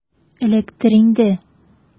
Эләктер инде!